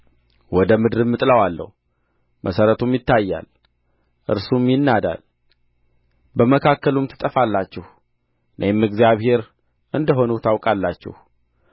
ወደ ምድርም እጥለዋለሁ መሠረቱም ይታያል እርሱም ይናዳል በመካከሉም ትጠፋላችሁ እኔም እግዚአብሔር እንደ ሆንሁ ታውቃላችሁ